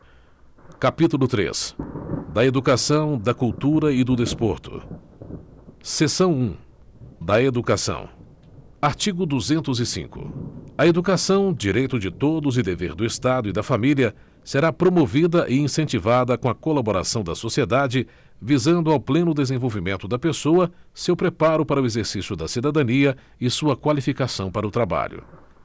capítulo três da educação da cultura e do desporto seção um da educação artigo duzentos e cinco a educação direito de todos e dever do estado e da família será promovida e incentivada com a colaboração da sociedade visando ao pleno desenvolvimento da pessoa seu preparo para o exercício da cidadania e sua qualificação para o trabalho